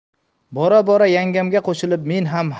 bora bora yangamga qo'shilib men